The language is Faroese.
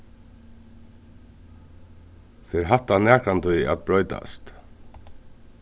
fer hatta nakrantíð at broytast